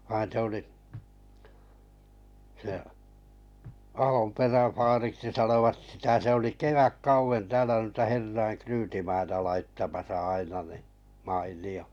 vaan se oli se Ahonperän vaariksi sanoivat sitä se oli kevätkauden täällä noita herrojen ryytimaita laittamassa aina niin mainio